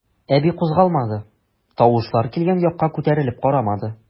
Әби кузгалмады, тавышлар килгән якка күтәрелеп карамады.